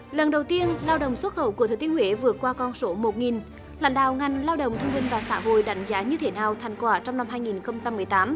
lần đầu tiên lao động xuất khẩu của thừa thiên huế vượt qua con số một nghìn lần đầu ngành lao động thương binh và xã hội đánh giá như thế nào thành quả trong năm hai nghìn không trăm mười tám